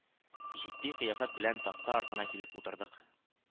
Җитди кыяфәт белән такта артына килеп утырдык